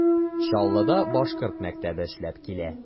Чаллыда башкорт мәктәбе эшләп килә.